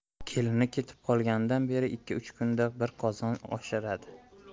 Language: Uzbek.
kelini ketib qolganidan beri ikki uch kunda bir qozon osishardi